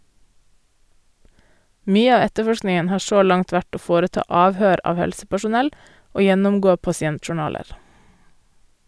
Mye av etterforskningen har så langt vært å foreta avhør av helsepersonell og gjennomgå pasientjournaler.